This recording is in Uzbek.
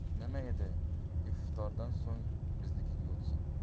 nima edi iftordan so'ng biznikiga o'tsin